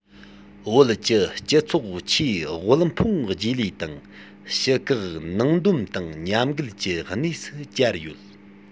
བོད ཀྱི སྤྱི ཚོགས ཆེས དབུལ ཕོངས རྗེས ལུས དང ཕྱི བཀག ནང སྡོམ དང ཉམས རྒུད ཀྱི གནས སུ གྱར ཡོད